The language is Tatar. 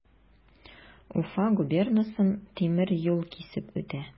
Уфа губернасын тимер юл кисеп үтә.